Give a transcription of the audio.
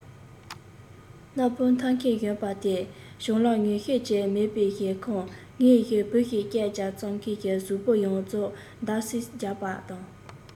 སྣམ སྤུ འཐགས མཁན གཞོན པ དེས སྤྱང ལགས ངོ ཤེས ཀྱི མེད པའི ཁར ངའི བུ ཞེས སྐད རྒྱབ ཙང ཁོའི གཟུགས པོ ཡོངས རྫོགས འདར གསིག རྒྱག པ དང